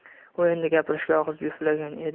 u endi gapirishga og'iz juftlagan edi